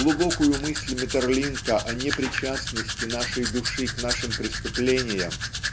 глубокую мысль Метерлинка о непричастности нашей души к нашим преступлениям